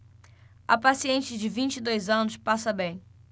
a paciente de vinte e dois anos passa bem